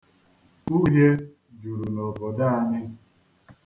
Uhie juru n'obodo anyị.